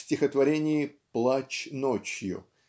в стихотворении "Плач ночью"